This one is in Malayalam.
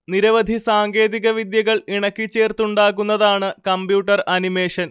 നിരവധി സാങ്കേധിക വിദ്യകൾ ഇണക്കിച്ചേർത്തുണ്ടാക്കുന്നതാണ് കമ്പ്യൂട്ടർ അനിമേഷൻ